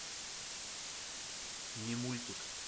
не мультик